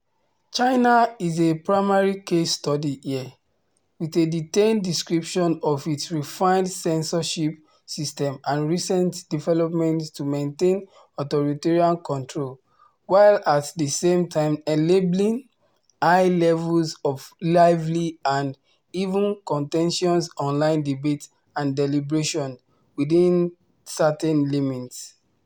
China is a primary case study here, with a detailed description of its refined censorship system and recent developments to maintain authoritarian control, while at the same time enabling, “…high levels of lively and even contentious online debate and deliberation, within certain limits.”